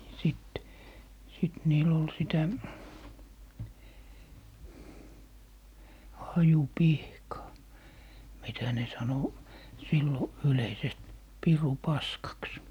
sitten sitten niillä oli sitä hajupihkaa mitä ne sanoi silloin yleisesti pirunpaskaksi